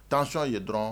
Tansa ye dɔrɔn